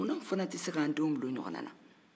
munna anw fana te se k'an denw bila o ɲɔgɔnna na